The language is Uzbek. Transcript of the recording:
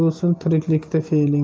bo'lsin tiriklikda fe'ling